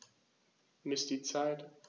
Miss die Zeit.